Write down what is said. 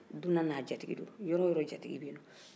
dunan n'a jatigi yɔrɔ o yɔrɔ jatigi bɛ yen